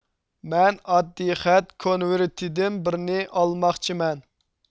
مەن ئاددىي خەت كونۋېرتىدىن بىرنى ئالماقچىمەن